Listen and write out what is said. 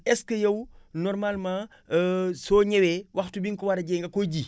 est ce que yow normalement soo ñëwee waxtu bi nga ko war a jiyee nga koy ji